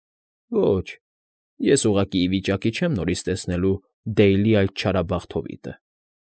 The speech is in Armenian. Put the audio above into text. Ոչ, ես ուղղակի ի վիճակի չեմ նորից տեսնելու Դեյլի այդ չարաբասխտ հովիտը։